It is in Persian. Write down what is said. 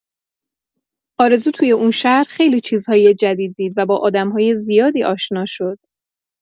آرزو توی اون شهر خیلی چیزهای جدید دید و با آدم‌های زیادی آشنا شد.